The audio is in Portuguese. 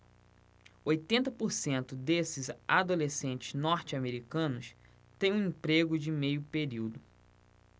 oitenta por cento desses adolescentes norte-americanos têm um emprego de meio período